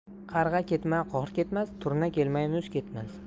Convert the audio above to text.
qarg'a ketmay qor ketmas turna kelmay muz ketmas